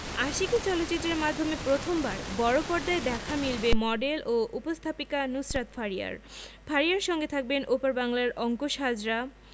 আশিকী চলচ্চিত্রের মাধ্যমে প্রথমবার বড়পর্দায় দেখা মিলবে মডেল ও উপস্থাপিকা নুসরাত ফারিয়ার ফারিয়ার সঙ্গে থাকবেন ওপার বাংলার অংকুশ হাজরা